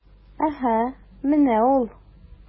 Әһә, менә ул...